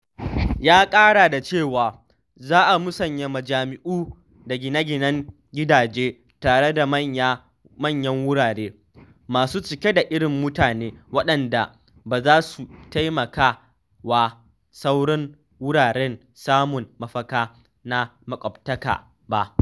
Ya ƙara da cewa, za a musanya majami’u da gine-ginen gidaje tare da manyan wurare masu cike da irin mutane waɗanda ba za su taimaka wa sauran wuraren samun mafaka na makwaɓta ba.